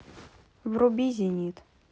вруби зенит